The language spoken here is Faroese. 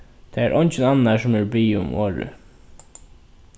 tað er eingin annar sum hevur biðið um orðið